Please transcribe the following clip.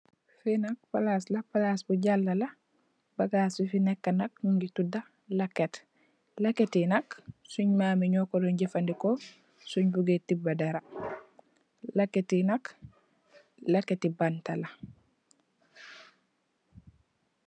Fi nak palaas la, palaas bu jala. Bagas yu fi neka nak nungi tudah lakett. Lakett yi nak sunn mamm yi nu ko don jëfandeh sunn bu ngè teba dara. Lakett yi nak, lèkketi banta la.